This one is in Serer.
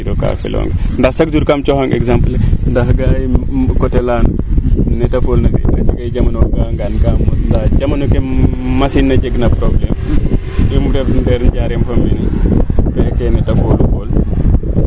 jreg kiro kaa feloonga ndaa chaque jour kam cooxang exemple ndax ga'a coté laana neete fool na fi a jega jamano o ga'a ngaan kaa mos ndaa jamano ke machine a jeg na probleme im ref ndeer Diarem fo mene neete fool na fol